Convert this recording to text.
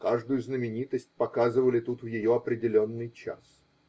Каждую знаменитость показывали тут в ее определенный час.